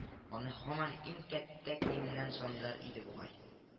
Ны һаман иң кәттә киемнән саныйлар иде бугай. “